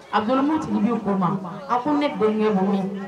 Abdul mutilibi tigi ko ne ma ko ne den kɛ, Mumini